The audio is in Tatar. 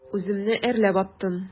Үземне әрләп аттым.